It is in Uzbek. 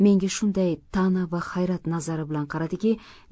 menga shunday ta'na va hayrat nazari bilan qaradiki